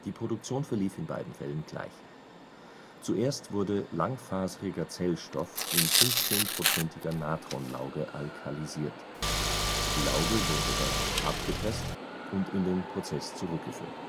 Produktion verlief in beiden Fällen gleich. Zuerst wurde langfasriger Zellstoff in 15-prozentiger Natronlauge alkalisiert. Die Lauge wurde danach abgepresst und in den Prozess zurückgeführt